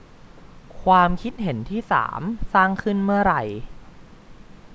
ความคิดเห็นที่สามสร้างขึ้นเมื่อไร